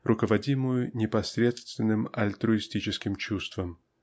руководимую непосредственным альтруистическим чувством.